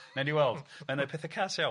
Newn ni wel'. Mae'n neud pethe cas iawn.